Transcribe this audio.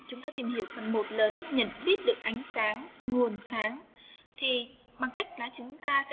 chúng ta tìm hiểu phần lớn nhận biết được ánh sáng nguồn sáng thì bằng cách giữa chúng ta